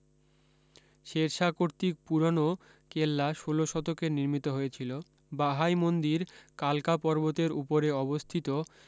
শেরশাহ কর্তৃক পুরানো কেল্লা ষোলো শতকে নির্মিত হয়েছিলো বাহাই মন্দির কালকা পর্বতের উপরে অবস্থিত